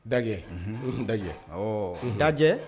Dajɛ, unhun, dajɛ , awɔɔ, . dajɛ?